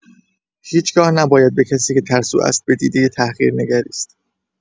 هیچ‌گاه نباید به کسی که ترسو است، به دیده تحقیر نگریست.